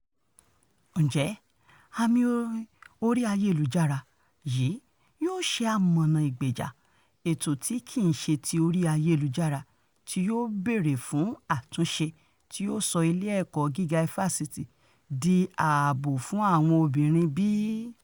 Ǹjẹ́ àmì orí ayélujára yìí yóò ṣe amọ̀nàa ìgbèjà ẹ̀tọ́ tí kì í ṣe ti orí ayélujára tí yóò béèrè fún àtúnṣe tí yóò sọ ilé ẹ̀kọ́ gíga ifásitì di ibi ààbò fún àwọn obìnrin bí?